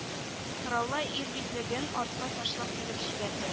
Кораллы ир битлеген артка ташлап көлеп җибәрде